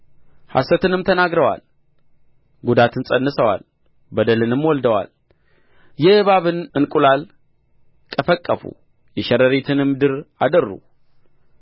ሐሰትንም ተናግረዋል ጕዳትን ፀንሰዋል በደልንም ወልደዋል የእባብን እንቍላል ቀፈቀፉ የሸረሪትንም ድር አደሩ